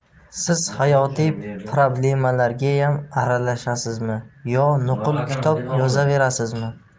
siz hayotiy problemalargayam aralashasizmi yo nuqul kitob yozaverasizmi